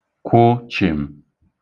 kwụ̀ chị̀m